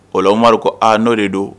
O amadu ko n'o de do